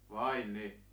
vai niin